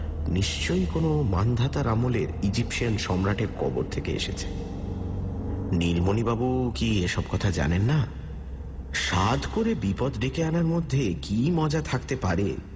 নিশ্চয়ই কোনও মান্ধাতার আমলের ঈজিন্সিয়ান সম্রাটের কবর থেকে এসেছে নীলমণিবাবু কি এ সব কথা জানেন না সাধ করে বিপদ ডেকে আনার মধ্যে কী মজা থাকতে পারে